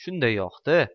shunday yoqdi